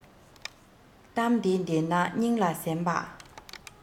གཏམ དེ བདེན ན སྙིང ལ གཟན པ